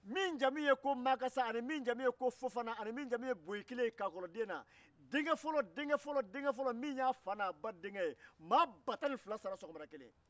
kalkolo fofana makasa ani boyikile maa ba tan ni fila sara sɔgɔmada kelen a bɛɛ denke fɔlɔ